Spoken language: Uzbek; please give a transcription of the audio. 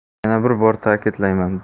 yana bir bor ta'kidlayman doimo